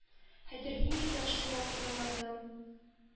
Хәтерли микән шул вакыйгаларны?